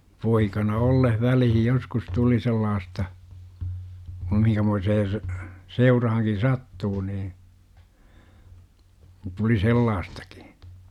poikana ollessa väliin joskus tuli sellaista kuin minkämoiseen - seuraankin sattuu niin tuli sellaistakin